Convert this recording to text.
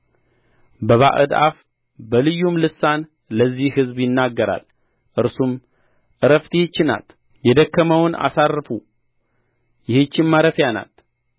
በባዕድ አፍ በልዩም ልሳን ለዚህ ሕዝብ ይናገራል እርሱም ዕረፍት ይህች ናት የደከመውን አሳርፉ ይህችም ማረፊያ ናት